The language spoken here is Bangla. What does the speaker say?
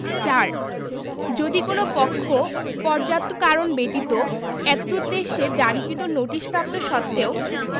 ৪ যদি কোন পক্ষ পর্যাপ্ত কারণ ব্যতীত এতদুদ্দেশ্যে জারীকৃত নোটিশ প্রাপ্ত সত্ত্বেও